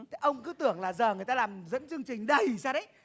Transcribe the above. ông cứ tưởng là giờ người ta làm dẫn chương trình đầy ra đấy